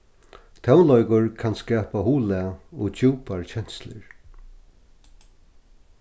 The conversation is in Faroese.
tónleikur kann skapa huglag og djúpar kenslur